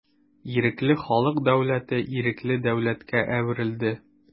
Ирекле халык дәүләте ирекле дәүләткә әверелде.